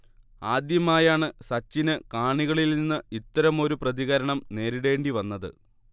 ആദ്യമായാണ് സച്ചിന് കാണികളിൽ നിന്ന് ഇത്തരമൊരു പ്രതികരണം നേരിടേണ്ടിവന്നത്